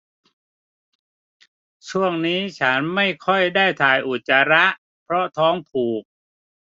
ช่วงนี้ฉันไม่ค่อยได้ถ่ายอุจจาระเพราะท้องผูก